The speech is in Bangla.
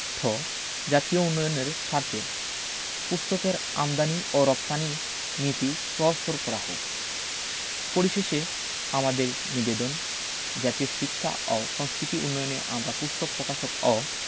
ঠ জাতীয় উন্নয়নের স্বার্থে পুস্তকের আমদানী ও রপ্তানী নীতি সহজতর করা হোক পরিশেষে আমাদের নিবেদন জাতীয় শিক্ষা ও সংস্কৃতি উন্নয়নে আমরা পুস্তক পকাশক অ